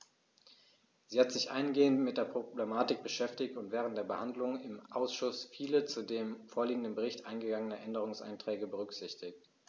Sie hat sich eingehend mit der Problematik beschäftigt und während der Behandlung im Ausschuss viele zu dem vorliegenden Bericht eingegangene Änderungsanträge berücksichtigt.